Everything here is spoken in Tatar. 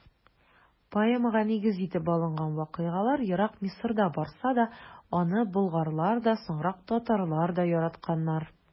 Поэмага нигез итеп алынган вакыйгалар ерак Мисырда барса да, аны болгарлар да, соңрак татарлар да яратканнар.